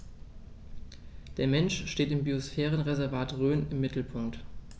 Der Mensch steht im Biosphärenreservat Rhön im Mittelpunkt.